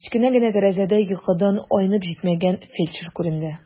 Кечкенә генә тәрәзәдә йокыдан айнып җитмәгән фельдшер күренде.